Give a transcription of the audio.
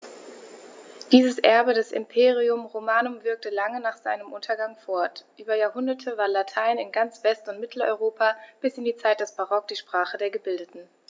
Dieses Erbe des Imperium Romanum wirkte lange nach seinem Untergang fort: Über Jahrhunderte war Latein in ganz West- und Mitteleuropa bis in die Zeit des Barock die Sprache der Gebildeten.